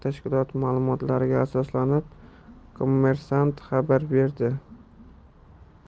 tashkiloti ma'lumotlariga asoslanib kommersant xabar berdi